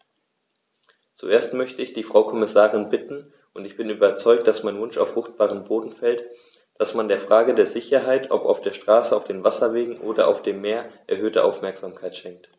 Zuerst möchte ich die Frau Kommissarin bitten - und ich bin überzeugt, dass mein Wunsch auf fruchtbaren Boden fällt -, dass man der Frage der Sicherheit, ob auf der Straße, auf den Wasserwegen oder auf dem Meer, erhöhte Aufmerksamkeit schenkt.